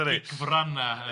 gigfran na.